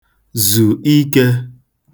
zù ikē